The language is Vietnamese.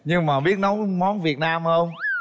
nhưng mà biết nấu món việt nam hông